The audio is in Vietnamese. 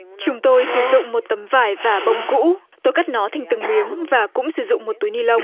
chúng tôi sử dụng một tấm vải và bông cũ tôi cắt nó thành từng miếng và cũng sử dụng một túi ni lông